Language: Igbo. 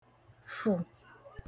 fụ̀